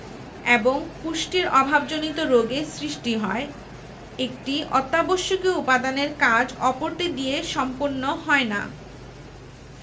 এবং পুষ্টির অভাবজনিত রোগের সৃষ্টি হয় একটি অত্যাবশ্যকীয় উপাদানের কাজ অপরটি দিয়ে সম্পন্ন হয় না